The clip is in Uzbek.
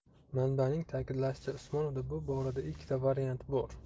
manbaning ta'kidlashicha usmonovda bu borada ikkita variant bor